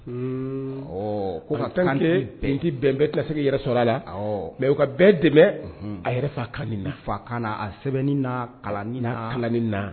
Ɔ ko bɛnti bɛn bɛɛ kise yɛrɛ sɔrɔ a la mɛ u ka bɛn dɛmɛ a yɛrɛ fa ka na fa ka a sɛbɛnni na kalan kalan na